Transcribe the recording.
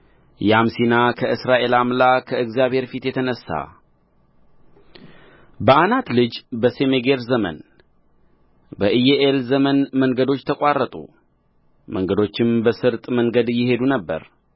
ያም ሲና ከእስራኤል አምላክ ከእግዚአብሔር ፊት የተነሣ በዓናት ልጅ በሰሜጋር ዘመን በኢያዔል ዘመን መንገዶች ተቋረጡ መንገደኞች በስርጥ መንገድ ይሄዱ ነበር